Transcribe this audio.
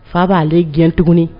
Fa b'aale gɛn tugun